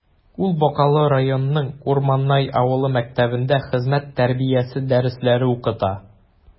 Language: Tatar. Ул Бакалы районының Урманай авылы мәктәбендә хезмәт тәрбиясе дәресләре укыта.